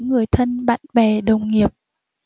người thân bạn bè đồng nghiệp